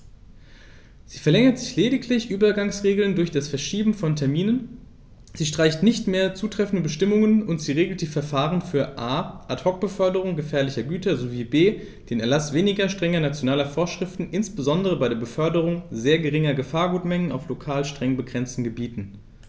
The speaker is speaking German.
Sie verlängert lediglich Übergangsregeln durch das Verschieben von Terminen, sie streicht nicht mehr zutreffende Bestimmungen, und sie regelt die Verfahren für a) Ad hoc-Beförderungen gefährlicher Güter sowie b) den Erlaß weniger strenger nationaler Vorschriften, insbesondere bei der Beförderung sehr geringer Gefahrgutmengen auf lokal streng begrenzten Gebieten.